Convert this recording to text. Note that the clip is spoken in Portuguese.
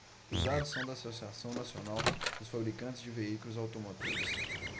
os dados são da anfavea associação nacional dos fabricantes de veículos automotores